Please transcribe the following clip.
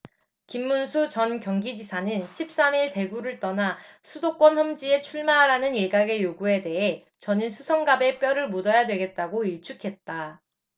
김문수 전 경기지사는 십 삼 일 대구를 떠나 수도권 험지에 출마하라는 일각의 요구에 대해 저는 수성갑에 뼈를 묻어야 되겠다고 일축했다